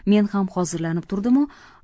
men ham hozirlanib turdimu